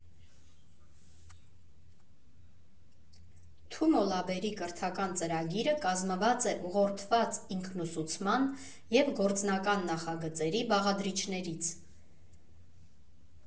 Թումո լաբերի կրթական ծրագիրը կազմված է ուղղորդված ինքնուսուցման և գործնական նախագծերի բաղադրիչներից։